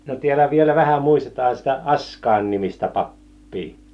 no täällä vielä vähän muistetaan sitä Askain nimistä pappia